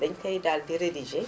dañu koy daal di rédigé